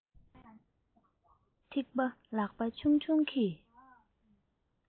ཐིགས པ ལག པ ཆུང ཆུང གིས